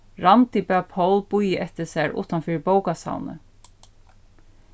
randi bað pól bíða eftir sær uttan fyri bókasavnið